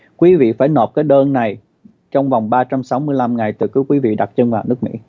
quý vị phải nộp cái đơn này trong vòng ba trăm sáu mươi lăm ngày từ lúc quý vị đặt chân vào nước mỹ